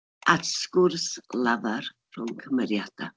At sgwrs lafar rhwng cymeriadau.